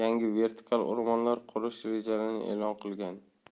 yangi vertikal o'rmonlar qurish rejalarini e'lon qilgan